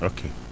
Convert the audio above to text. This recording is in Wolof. ok